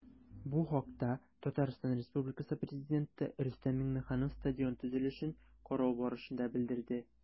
Бу хакта ТР Пррезиденты Рөстәм Миңнеханов стадион төзелешен карау барышында белдерде.